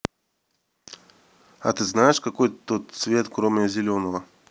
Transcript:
а ты знаешь какой то цвет кроме зеленого